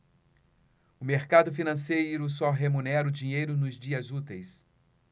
o mercado financeiro só remunera o dinheiro nos dias úteis